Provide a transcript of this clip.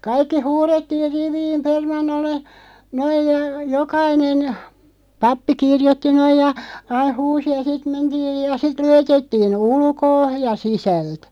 kaikki huudettiin riviin permannolle noin ja jokainen pappi kirjoitti noin ja aina huusi ja sitten mentiin ja sitten luetettiin ulkoa ja sisältä